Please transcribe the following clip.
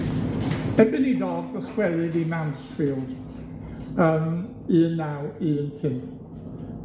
Erbyn i Dodd dychwelid i Mansfield yn un naw un pump